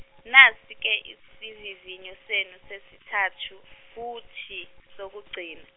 nasi ke isivivinyo senu sesithathu futhi sokugcina.